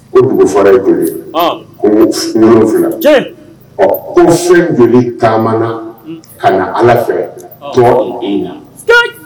O dugu fɔlɔ ye joli ye wolonwula ɔ ko fɛn joli taamana ka na Ala fɛ